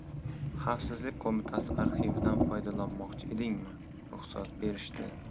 xavfsizlik qo'mitasi arxividan foydalanmoqchi edingmi ruxsat berishdi